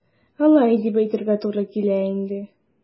Алай дип әйтергә туры килә инде.